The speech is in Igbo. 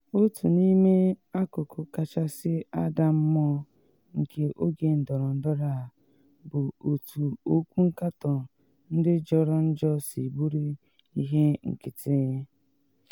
Otu n’ime akụkụ kachasị ada mmụọ nke oge ndọrọndọrọ a bụ otu okwu nkatọ ndị jọrọ njọ si buru ihe nkịtị.